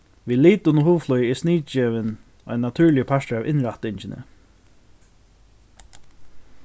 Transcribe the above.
við litum og hugflogi er sniðgevin ein natúrligur partur av innrættingini